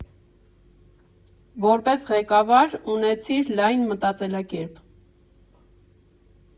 Որպես ղեկավար՝ ունեցիր լայն մտածելակերպ։